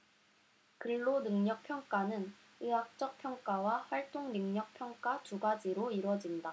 근로능력평가는 의학적 평가와 활동능력 평가 두 가지로 이뤄진다